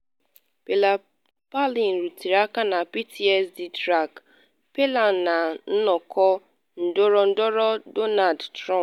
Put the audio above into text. Sarah Palin rụtụrụ aka na PTSD Track Palin na nnọkọ ndọrọndọrọ Donald Trump.